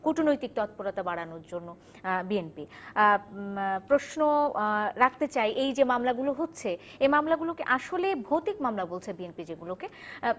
কুটনৈতিক তৎপরতা বাড়ানোর জন্য বিএনপি প্রশ্ন রাখতে চাই এই যে মামলাগুলো হচ্ছে এ মামলাগুলো কি আসলে ভৌতিক মামলা বলছে বিএনপি যেগুলোকে